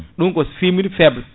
ɗum ko fumerie faible